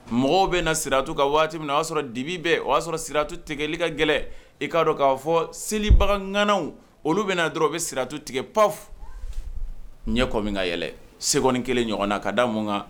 Mɔgɔw bɛ na siratu ka waati min o y'a sɔrɔ dibi bɛ o y'a sɔrɔ siratu tigɛli ka gɛlɛn i'a dɔn k'a fɔ seli bagangananaw olu bɛna dɔrɔn u bɛ siratu tigɛ pan ɲɛkɔ min ka yɛlɛ segɔni kelen ɲɔgɔn na ka da mun kan